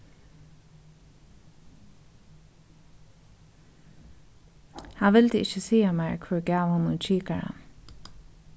hann vildi ikki siga mær hvør gav honum kikaran